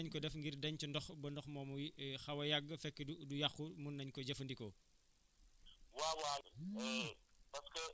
ndax am na pexe yoo xam ne tey mun nañu ko def ngir denc ndox ba ndox moomu xaw a yàgg fekk du du yàqu mun nañu ko jëfandikoo